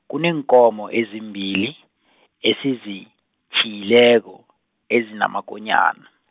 kuneenkomo ezimbili, esizitjhiyileko, ezinamakonyana.